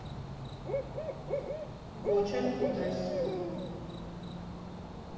Ոչ էլ կուտես։